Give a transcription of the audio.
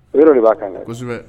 I yɛrɛ dɔ de b'a kan kɛ kosɛbɛ